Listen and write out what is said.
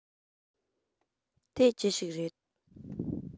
དེ ཅི ཞིག རེད